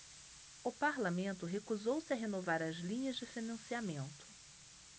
o parlamento recusou-se a renovar as linhas de financiamento